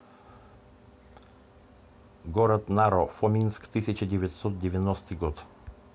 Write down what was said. город наро фоминск тысяча девятьсот девяностый год